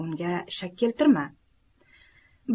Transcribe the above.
unga shak keltirma